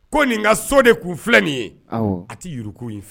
Ko nin nka so de ku filɛ nin ye a tɛ yuguku in fɛ